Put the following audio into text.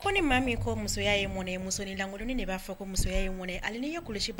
Kolon ba